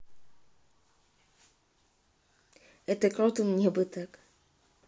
это круто мне бы так